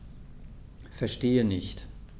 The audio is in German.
Verstehe nicht.